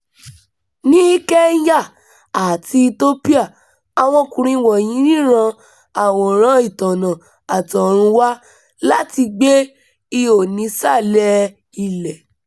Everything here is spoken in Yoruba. Ní Kenya àti Ethiopia, àwọn ọkùnrin wọ̀nyí ríran àwòrán-ìtọ́nà' àt'ọ̀run wá láti gbẹ́ ihò nísàlẹ̀ ilẹ̀